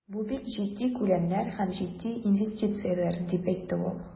Бу бик җитди күләмнәр һәм җитди инвестицияләр, дип әйтте ул.